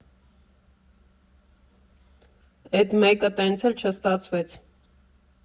Էդ մեկը տենց էլ չստացվեց։